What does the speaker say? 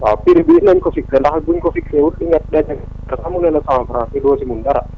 waaw prix bi nañ ko fixé ndax buñ ko fixé wut di nga dégg * xam nga ne cent franc te doo si mun dara